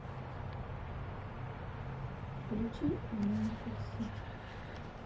включи аминку с